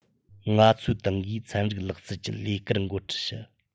ང ཚོའི ཏང གིས ཚན རིག ལག རྩལ གྱི ལས ཀར འགོ ཁྲིད བྱེད